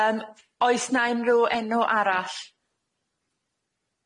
Yym oes 'na unryw enw arall?